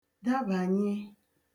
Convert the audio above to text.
dàbànye